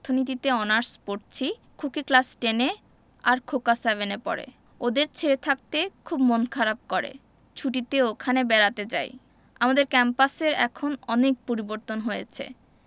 অর্থনীতিতে অনার্স পরছি খুকি ক্লাস টেনএ আর খোকা সেভেনএ পড়ে ওদের ছেড়ে থাকতে খুব মন খারাপ করে ছুটিতে ওখানে বেড়াতে যাই আমাদের ক্যাম্পাসের এখন অনেক পরিবর্তন হয়েছে